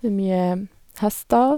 Det er mye hester.